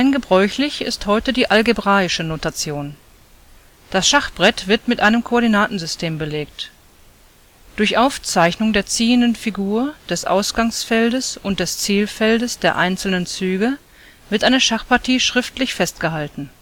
gebräuchlich ist heute die Algebraische Notation. Das Schachbrett wird mit einem Koordinatensystem belegt. Durch Aufzeichnung der ziehenden Figur, des Ausgangsfeldes und des Zielfeldes der einzelnen Züge wird eine Schachpartie schriftlich festgehalten